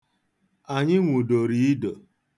Anyị nwụdoro ido.